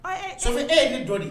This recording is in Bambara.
Ɔ e ye jɔn, sabu e ye ɲɛ dɔn de